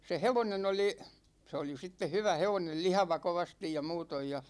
se hevonen oli se oli sitten hyvä hevonen lihava kovasti ja muuten ja